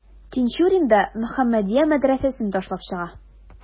Тинчурин да «Мөхәммәдия» мәдрәсәсен ташлап чыга.